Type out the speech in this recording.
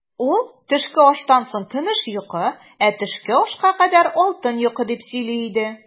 Ул, төшке аштан соң көмеш йокы, ә төшке ашка кадәр алтын йокы, дип сөйли иде.